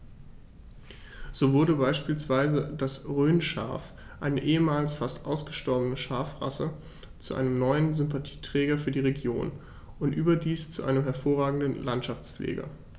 So wurde beispielsweise das Rhönschaf, eine ehemals fast ausgestorbene Schafrasse, zu einem neuen Sympathieträger für die Region – und überdies zu einem hervorragenden Landschaftspfleger.